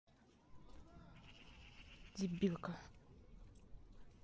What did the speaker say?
дебилка